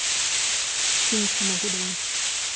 фильм все могу два